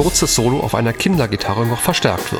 Solo auf einer Kindergitarre noch verstärkt